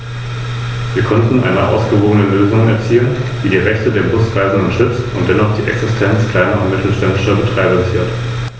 Allem voran sollte das neue System der wissenschaftlichen Forschung und der Innovation zu einem Impuls verhelfen.